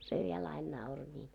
se vielä aina nauroi niin